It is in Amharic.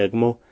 ደግሞ